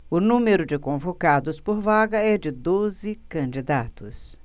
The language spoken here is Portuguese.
o número de convocados por vaga é de doze candidatos